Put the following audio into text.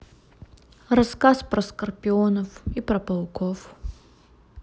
рассказ про скорпионов и про пауков